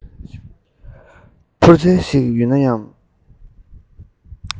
འཕུར རྩལ ཞིག ཡོད ན སྙམ